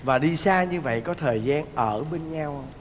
và đi xa như vậy có thời gian ở bên nhau ông